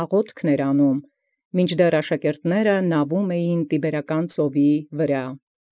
Զաղաւթս առնէր, մինչդեռ աշակերտքն ի Տիբերական ծովուն նաւէին։